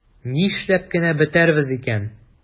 Нишләп кенә бетәрбез икән?